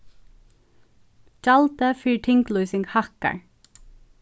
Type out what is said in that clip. gjaldið fyri tinglýsing hækkar